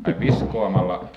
ai viskaamalla